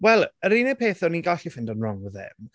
Wel, yr unig peth o'n i'n gallu ffeindo'n wrong with him...